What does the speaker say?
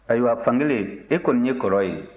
ayiwa fankelen e kɔni ye kɔrɔ ye